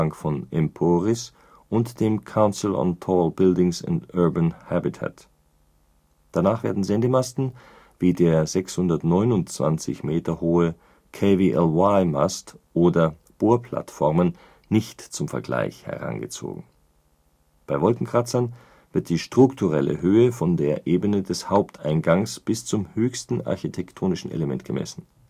von Emporis und dem Council on Tall Buildings and Urban Habitat. Danach werden Sendemasten wie der 629 Meter hohe KVLY-Mast oder Bohrplattformen nicht zum Vergleich herangezogen. Bei Wolkenkratzern wird die strukturelle Höhe von der Ebene des Haupteingangs bis zum höchsten architektonischen Element gemessen